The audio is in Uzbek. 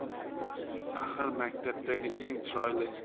axir maktabdagi eng chiroyli